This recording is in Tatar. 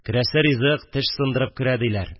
Керәсе ризык теш сындырып керә, диләр